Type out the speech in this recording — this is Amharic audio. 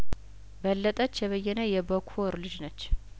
በለጠች የበየነ የበኩር ልጅነች